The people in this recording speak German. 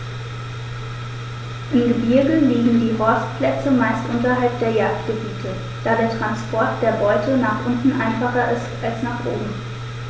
Im Gebirge liegen die Horstplätze meist unterhalb der Jagdgebiete, da der Transport der Beute nach unten einfacher ist als nach oben.